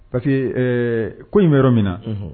Parce que Ɛɛ ko in bɛ yɔrɔ min na. Unhun!